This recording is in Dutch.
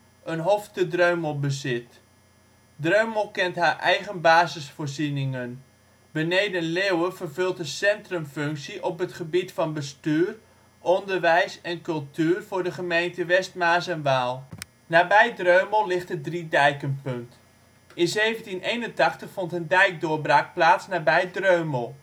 een hof te Dreumel bezit. Dreumel kent haar eigen basisvoorzieningen. Beneden-Leeuwen vervult een centrumfunctie op het gebied van bestuur, onderwijs en cultuur voor de gemeente West Maas en Waal. Nabij Dreumel ligt het Drie Dijkenpunt. In 1781 vond een dijkdoorbraak plaats nabij Dreumel